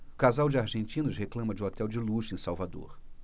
casal de argentinos reclama de hotel de luxo em salvador